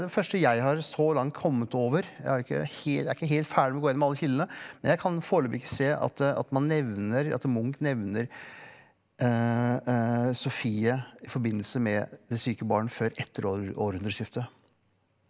det første jeg har så langt kommet over jeg har ikke jeg er ikke helt ferdig med å gå igjennom alle kildene men jeg kan foreløpig ikke se at at man nevner at Munch nevner Sofie i forbindelse med Det syke barn før etter år århundreskiftet.